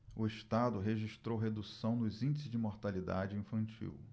o estado registrou redução nos índices de mortalidade infantil